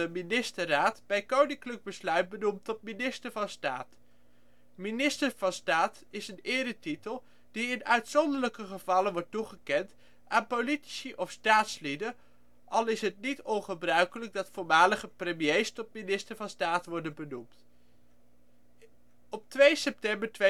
ministerraad bij Koninklijk Besluit benoemd tot Minister van Staat. Minister van Staat is een eretitel die in uitzonderlijke gevallen wordt toegekend aan politici of staatslieden (al is het niet ongebruikelijk dat voormalige premiers tot Minister van Staat worden benoemd) Op 2 september 2003